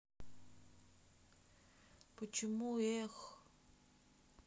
почему эх